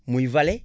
muy valée